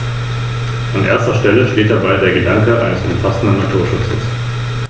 Der Nacken ist goldgelb.